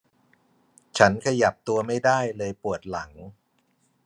ฉันขยับตัวไม่ได้เลยปวดหลัง